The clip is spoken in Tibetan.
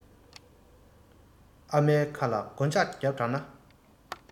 ཨ མའི ཁ ལ སྒོ ལྕགས བརྒྱབ དྲགས ན